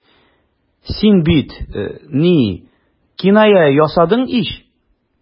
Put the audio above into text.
Син бит... ни... киная ясадың ич.